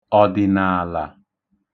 ọ̀dị̀nààlà